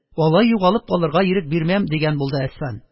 Алай югалып калырга ирек бирмәм, – дигән булды әсфан